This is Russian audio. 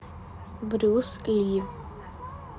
брюс ли